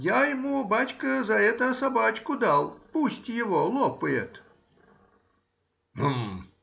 я ему, бачка, за это собачку дал,— пусть его лопает. — Гм!